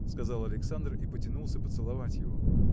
– сказал Александр и потянулся поцеловать его.